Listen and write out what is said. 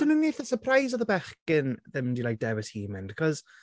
O'n i'n eitha surprised oedd y bechgyn ddim 'di like dewis hi i mynd achos...